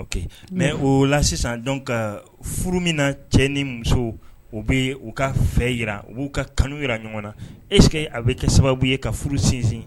OK mais o la sisan donc furu min na cɛ ni muso u bɛ u ka fɛ jira,u b'u ka kanu jira ɲɔgɔn na puisque a bɛ kɛ sababu ye ka furu sinsin